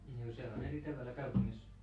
joo se on eri tavalla kaupungissa